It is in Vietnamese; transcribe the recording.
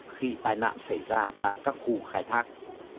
khi tai nạn xảy ra tại các khu khai thác